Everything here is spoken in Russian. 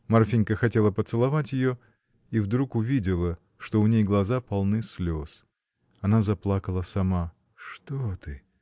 Марфинька хотела поцеловать ее и вдруг увидела, что у ней глаза полны слез. Она заплакала сама. — Что ты?